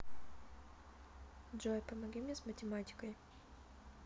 джой помоги мне с математикой